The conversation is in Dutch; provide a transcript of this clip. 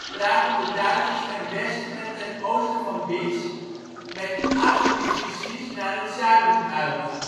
braken de Duitsers ten westen en ten oosten van Bitch met acht divisies naar het zuiden uit